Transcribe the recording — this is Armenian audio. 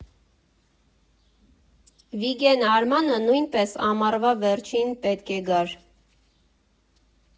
Վիգեն Արմանը նույնպես ամառվա վերջին պետք է գար։